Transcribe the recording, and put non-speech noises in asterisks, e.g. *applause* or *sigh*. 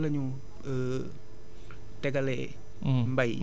maanaam naka la ñu *hesitation* tegalee